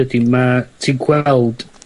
ydi ma' ti'n gweld...